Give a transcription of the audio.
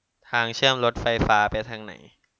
ทางเชื่อมรถไฟฟ้าไปทางไหน